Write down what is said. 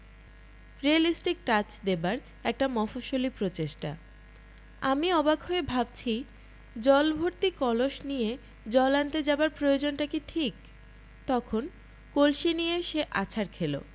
realistic touch দেবার একটা মফস্বলী প্রচেষ্টা আমি অবাক হয়ে ভাবছি জল ভর্তি কলস নিয়ে জল আনতে যাবার প্রয়োজনটি কি ঠিক তখন কলসি নিয়ে সে আছাড় খেলো